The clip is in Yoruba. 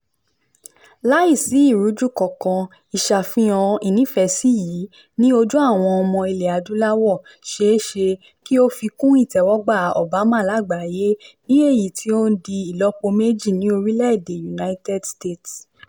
Láìsí ìrújú kankan, ìsàfihàn ìnífẹ̀ẹ́sí yìí ní ojú àwọn ọmọ Ilẹ̀ Adúláwò ṣeéṣe kí ó fi kún ìtẹ́wọ́gbà Obama lágbàáyé, ní èyí tí ó ti ń di ìlọ́po méjì ti orílẹ̀ èdè United States.